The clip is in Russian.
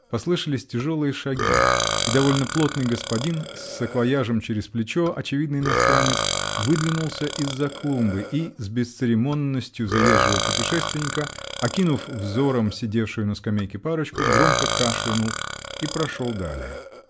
Послышались тяжелые шаги, и довольно плотный господин, с саквояжем через плечо, очевидно иностранец, выдвинулся из-за клумбы -- и, с бесцеремонностью заезжего путешественника окинув взором сидевшую на скамейке парочку, громко кашлянул и прошел далее.